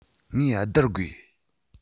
ངེས སྡུར དགོས